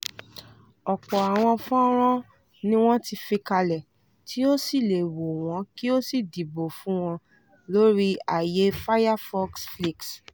Ọ̀pọ̀ àwọn fọ́nrán ni wọ́n ti fi kalẹ̀, tí o sì le wò wọ́n kí o sì dìbò fún wọn lórí àyè Firefox Flicks.